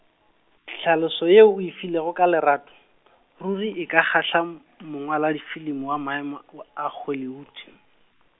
tlhaloso yeo o e filego ka Lerato , ruri e ka kgahla -m, mongwaladifilimi wa maema wa a Hollywood.